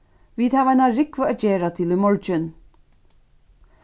vit hava eina rúgvu at gera til í morgin